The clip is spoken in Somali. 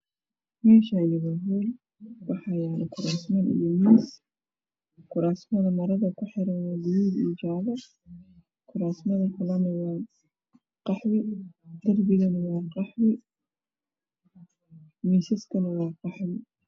Meeshaani waa hool waxaa yaalo kuraasmo iyo miis kuraasmada marada ku xiran waa guduug iyo jaalo kuraasmada kale waa qaxwi darbigana waa qaxwi miisaskana waa qaxwi